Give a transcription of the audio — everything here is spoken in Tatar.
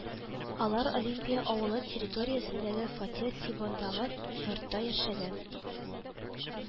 Алар Олимпия авылы территориясендәге фатир тибындагы йортта яшәгән